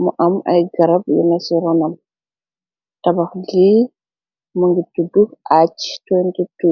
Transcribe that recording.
mu am ay garab yune ci ronam tabax gii më ngi tudd aac 22.